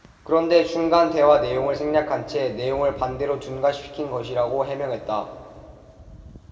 그런데 중간 대화 내용을 생략한 채 내용을 반대로 둔갑시킨 것이라고 해명했다